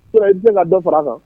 I tɛna ka dɔ fara a kan